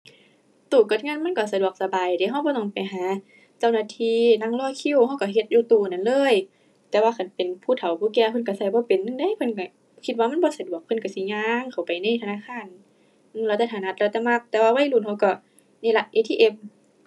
ตู้กดเงินมันก็สะดวกสบายเดะ ก็บ่ต้องไปหาเจ้าหน้าที่ นั่งรอคิว ก็ก็เฮ็ดอยู่ตู้นั้นเลย แต่ว่าคันเป็นผู้เฒ่าผู้แก่เพิ่นก็ก็บ่เป็นนำเดะ เพิ่นก็คิดว่ามันบ่สะดวก เพิ่นก็สิย่างเข้าไปในธนาคาร แล้วแต่ถนัด แล้วแต่มัก แต่ว่าวัยรุ่นเขาก็นี่ล่ะ ATM